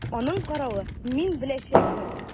Аның каравы, мин беләчәкмен!